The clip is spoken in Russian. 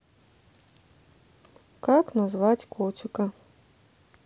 как назвать котика